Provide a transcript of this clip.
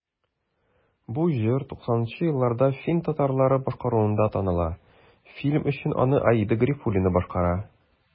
Бу җыр 90 нчы елларда фин татарлары башкаруында таныла, фильм өчен аны Аида Гарифуллина башкара.